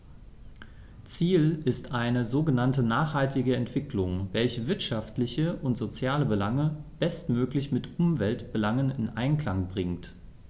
Ziel ist eine sogenannte nachhaltige Entwicklung, welche wirtschaftliche und soziale Belange bestmöglich mit Umweltbelangen in Einklang bringt.